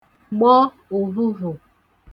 gbọ ụvhụvhụ